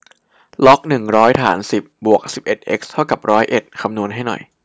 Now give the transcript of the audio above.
ล็อกหนึ่งร้อยฐานสิบบวกสิบเอ็ดเอ็กซ์เท่ากับร้อยเอ็ดคำนวณให้หน่อย